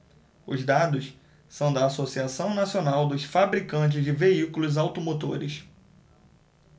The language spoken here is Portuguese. os dados são da anfavea associação nacional dos fabricantes de veículos automotores